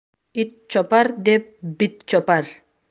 it chopar deb bit chopar